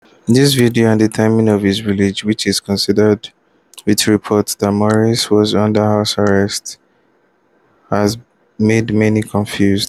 This video, and the timing of his release which coincided with reports that Morsi was under house arrest, has made many confused.